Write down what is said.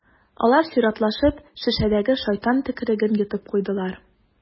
Алар чиратлашып шешәдәге «шайтан төкереге»н йотып куйдылар.